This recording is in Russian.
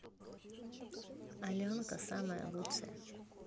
аленка самая лучшая